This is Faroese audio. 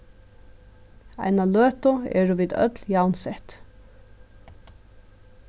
eina løtu eru vit øll javnsett